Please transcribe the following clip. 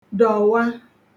dọ̀wa